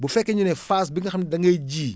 bu fekkee ñu ne phase bi nga xam da ngay ji